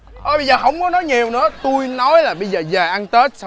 thôi bây giờ không có nói nhiều nó tui nói là bây giờ về ăn tết xong